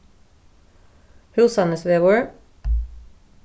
húsanesvegur